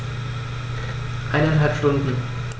Eineinhalb Stunden